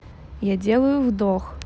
я делаю вдох